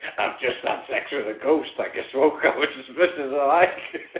I've just had sex with a ghost I can smoke how much... as much as I like